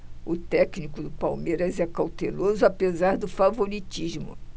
o técnico do palmeiras é cauteloso apesar do favoritismo